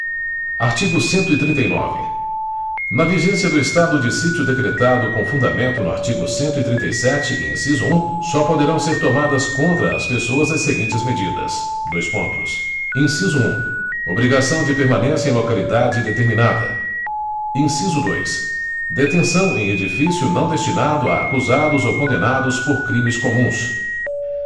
artigo cento e trinta e nove na vigência do estado de sítio decretado com fundamento no artigo cento e trinta e sete inciso um só poderão ser tomadas contra as pessoas as seguintes medidas dois pontos inciso um obrigação de permanência em localidade determinada inciso dois detenção em edifício não destinado a acusados ou condenados por crimes comuns